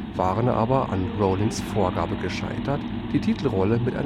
waren aber an Rowlings Vorgabe gescheitert, die Titelrolle mit